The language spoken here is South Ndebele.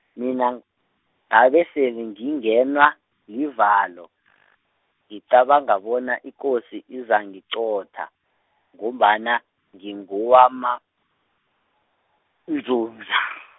mina, ngabesele ngingenwa, livalo , ngicabanga bona ikosi izangiqotha, ngombana, ngingowamaNdzundza.